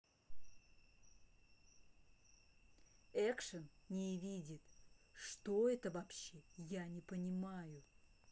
action не видит что это вообще я не понимаю